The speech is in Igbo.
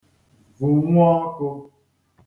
vụ̀nwu ọkụ̄